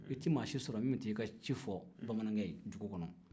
i tɛ maa si sɔrɔ min bɛ t'i ka ci fɔ bamanankɛ ye dugu kɔnɔ